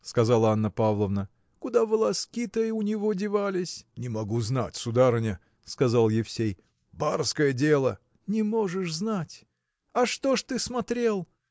– сказала Анна Павловна, – куда волоски-то у него девались? – Не могу знать, сударыня! – сказал Евсей, – барское дело! – Не можешь знать! А чего ж ты смотрел?